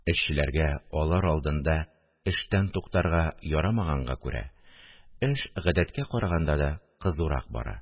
АЭшчеләргә алар алдында эштән туктарга ярамаганга күрә, эш гадәткә караганда да кызурак бара